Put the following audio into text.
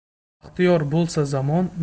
baxtiyor bo'lsa zamon